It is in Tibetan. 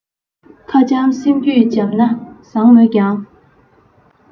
ཁ འཇམ སེམས རྒྱུད འཇམ ན བཟང མོད ཀྱང